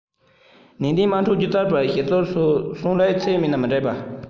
ཏན ཏན དམངས ཁྲོད སྒྱུ རྩལ པའི ཞིའི རྩེར སོན ལེ ཚན མེད ན མི འགྲིག པ